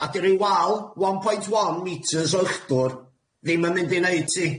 A 'di roi wal one point one metres o uchdwr ddim yn mynd i neu' ti.